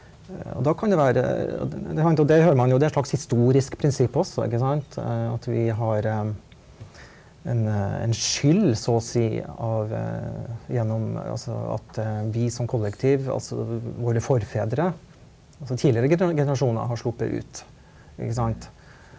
og da kan det være og det har man jo det er et slags historisk prinsipp også ikke sant at vi har en en skyld så å si av gjennom altså at vi som kollektiv altså våre forfedre altså tidligere generasjoner har sluppet ut ikke sant.